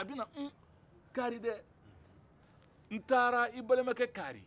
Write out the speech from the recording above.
un kaary dɛ n taar'i balimakɛ kaari